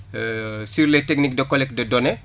sur techniques de collectes de données